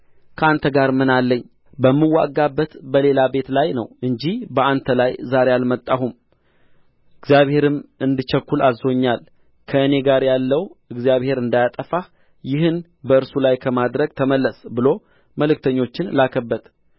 ከአንተ ጋር ምን አለኝ በምዋጋበት በሌላ ቤት ላይ ነው እንጂ በአንተ ላይ ዛሬ አልመጣሁም እግዚአብሔርም እንድቸኵል አዝዞኛል ከእኔ ጋር ያለው እግዚአብሔር እንዳያጠፋህ ይህን በእርሱ ላይ ከማድረግ ተመለስ ብሎ መልእክተኞችን ላከበት